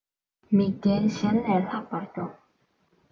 མིག ལྡན གཞན ལས ལྷག པར མགྱོགས